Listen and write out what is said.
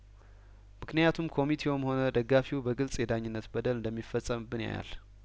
ምክንያቱም ኮሚቴውም ሆነ ደጋፊው በግልጽ የዳኝነት በደል እንደሚፈጸምብን ያያል